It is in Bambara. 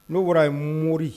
N'o bɔra ye mururi